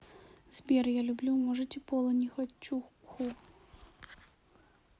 сбер я люблю можете пола нехочуху